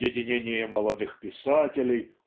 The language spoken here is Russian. единение молодых писателей